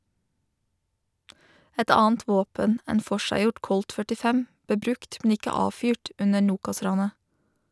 Et annet våpen, en forseggjort colt 45, ble brukt, men ikke avfyrt, under Nokas-ranet.